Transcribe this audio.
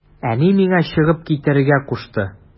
Әни миңа чыгып китәргә кушты.